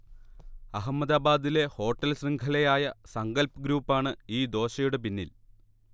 അഹമ്മദാബാദിലെ ഹോട്ടൽ ശൃംഘലയായ സങ്കൽപ് ഗ്രൂപ്പാണ് ഈ ദോശയുടെ പിന്നിൽ